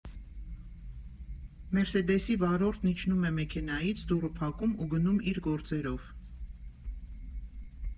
«Մերսեդեսի» վարորդն իջնում է մեքենայից, դուռը փակում ու գնում իր գործերով։